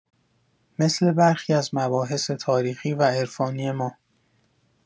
مثل برخی از مباحث تاریخی و عرفانی ما